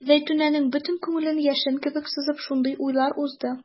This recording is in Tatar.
Зәйтүнәнең бөтен күңелен яшен кебек сызып шундый уйлар узды.